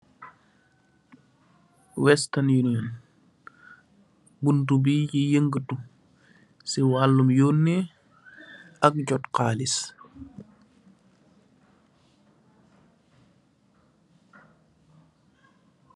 Western union, buntu bii di yangatu, si wallum yooneh, ak jot khaalis.